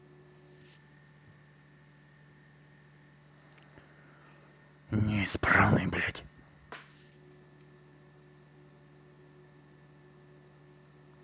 неисправный блядь